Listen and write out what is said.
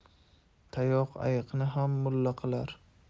tayoq ayiqni ham mulla qilar